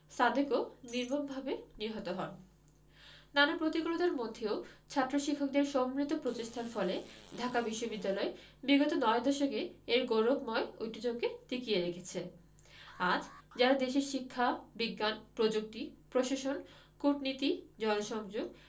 সাদেকও নির্মমভাবে নিহত হন নানা প্রতিকূলতার মধ্যেও ছাত্র শিক্ষকদের সম্মিলিত প্রচেষ্টার ফলে ঢাকা বিশ্ববিদ্যালয় বিগত নয় দশকে এর গৌরবময় ঐতিহ্যকে টিকিয়ে রেখেছে আজ যাঁরা দেশের শিক্ষা বিজ্ঞান প্রযুক্তি প্রশাসন কূটনীতি জনসংযোগ